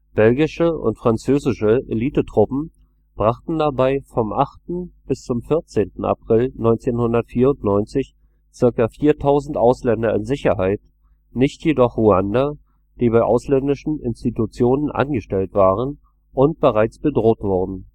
Belgische und französische Elitetruppen brachten dabei vom 8. bis zum 14. April 1994 zirka 4000 Ausländer in Sicherheit, nicht jedoch Ruander, die bei ausländischen Institutionen angestellt waren und bereits bedroht wurden